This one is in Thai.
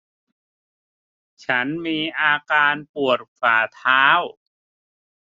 ฉันมีอาการปวดฝ่าเท้า